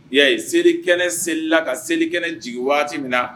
Y'a ye selikɛnɛ selila ka selikɛnɛ jigi waati min na